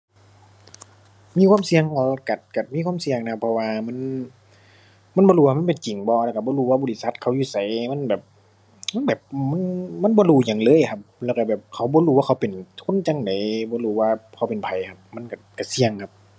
มีความเสี่ยง ก็ ก็มีความเสี่ยงนะครับ เพราะว่ามัน มันบ่รู้ว่ามันเป็นจริงบ่ แล้วก็บ่รู้ว่าบริษัทเขาอยู่ไส มันแบบ มันแบบ มัน มันบ่รู้หยังเลยอะครับ แล้วก็แบบเขาบ่รู้ว่าเขาเป็น คนจั่งใด บ่รู้ว่าเขาเป็นไผครับ มันก็ ก็เสี่ยงครับ